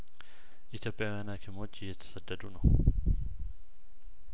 ኢትዮጵያውያን ሀኪሞች እየተሰደዱ ነው